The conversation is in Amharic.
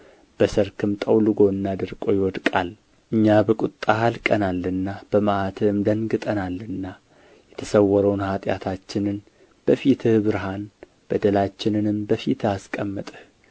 በሠርክም ጠውልጎና ደርቆ ይወድቃል እኛ በቍጣህ አልቀናልና በመዓትህም ደንግጠናልና የተሰወረውን ኃጢአታችንን በፊትህ ብርሃን በደላችንንም በፊትህ አስቀመጥህ